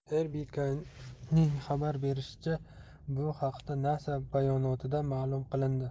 rbk'ning xabar berishicha bu haqda nasa bayonotida ma'lum qilindi